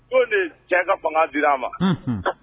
O de cɛ ka fanga di a ma